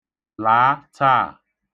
Laa taa.